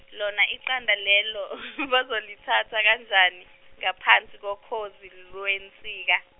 lona iqanda lelo , bazolithatha kanjani ngaphansi kokhozi lwensika.